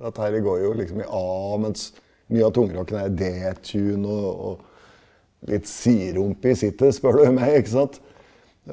dette herre går jo liksom i a, mens mye av tungrocken er D tune og og litt sidrumpa i sittet spør du om meg ikke sant,